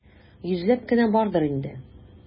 Йөзләп кенә бардыр инде.